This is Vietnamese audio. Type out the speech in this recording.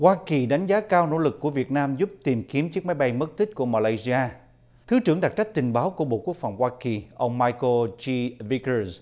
hoa kỳ đánh giá cao nỗ lực của việt nam giúp tìm kiếm chiếc máy bay mất tích của ma lây di a thứ trưởng đặc trách tình báo của bộ quốc phòng hoa kỳ ông mai cồ chi vi cừn